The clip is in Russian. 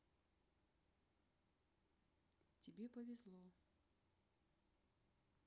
тебе повезло